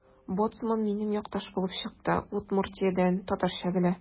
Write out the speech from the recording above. Боцман минем якташ булып чыкты: Удмуртиядән – татарча белә.